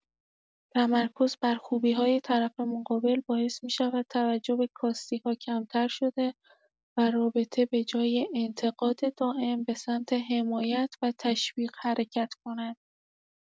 تمرکز بر خوبی‌های طرف مقابل باعث می‌شود توجه به کاستی‌ها کمتر شده و رابطه به‌جای انتقاد دائم، به سمت حمایت و تشویق حرکت کند.